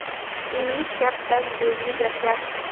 ellik gapdan belli gap yaxshi